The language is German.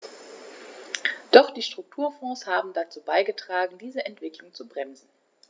Doch die Strukturfonds haben dazu beigetragen, diese Entwicklung zu bremsen.